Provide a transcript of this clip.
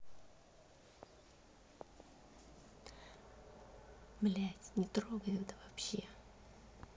блядь не трогай тогда вообще